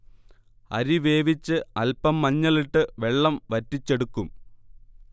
അരി വേവിച്ച് അൽപം മഞ്ഞളിട്ട് വെള്ളം വറ്റിച്ചെടുക്കും